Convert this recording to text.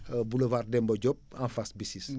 boulevard Demba Diop en face BICIS